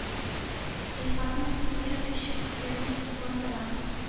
Илфатның ихтыяр көче күпләрне сокландыра: